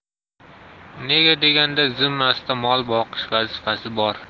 nega deganda zimmasida mol boqish vazifasi bor